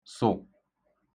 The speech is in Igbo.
sù